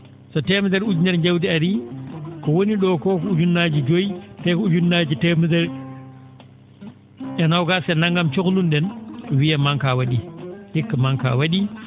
so teemedere ujunere njawdi arii ko woni ?oo ko ko ujunnaaje joyi te ko ujunnaaje teemedere e noogaas e nanngam cohluno?en wiiye manque a wa?ii hikka hikka manque a wa?ii